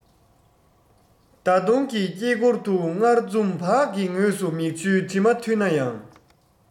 ཟླ གདོང གི དཀྱིལ འཁོར དུ སྔར འཛུམ བག གི ངོས སུ མིག ཆུའི དྲི མ འཐུལ ན ཡང